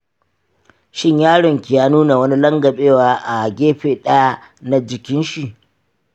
shin yaron ki ya nuna wani langabe wa a gefe ɗaya na jikinshi?